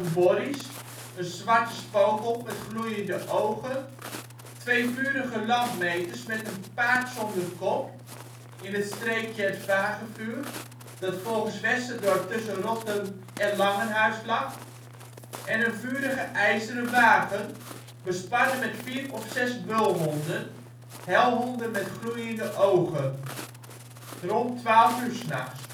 borries (zwarte spookhond met gloeiende ogen), twee vurige landmeters met een paard zonder kop (in het streekje ' Het Vagevuur ', dat volgens Westendorp tussen Rottum en Langenhuis lag) en een vurige ijzeren wagen, bespannen met 4 of 6 bulhonden (' helhonden ' met gloeiende ogen); rond 12 uur ' s nachts